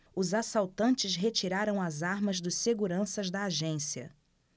os assaltantes retiraram as armas dos seguranças da agência